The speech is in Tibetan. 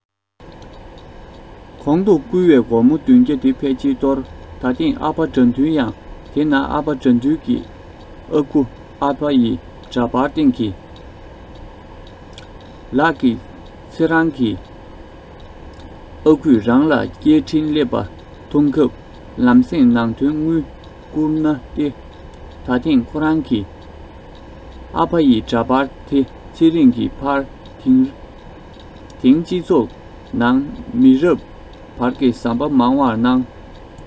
གོང དུ བསྐུར བའི སྒོར མོ བདུན བརྒྱ དེ ཕལ ཆེར གཏོར ད ཐེངས ཨ ཕ དགྲ འདུལ ཡང དེ ན ཨ ཕ དགྲ འདུལ གྱི ཨ ཁུ ཨ ཕ ཡི འདྲ པར སྟེང གྱི ལག གི ཚེ རང གི ཨ ཁུས རང ལ སྐད འཕྲིན སླེབས པ མཐོང སྐབས ལང སེང ནང དོན དངུལ བསྐུར ན ཏེ ད ཐེངས ཁོ རང གི ཨ ཕ ཡི འདྲ པར དེ ཚེ རིང གི ཕར དེང སྤྱི ཚོགས ནང མི རབས བར གྱི ཟམ པ མང བར སྣང